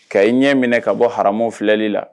Ka i ɲɛ minɛ ka bɔ ha filɛli la